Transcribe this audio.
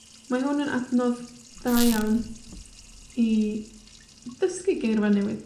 Mae hwn yn adnodd dda iawn, i, dysgu geirfa newydd.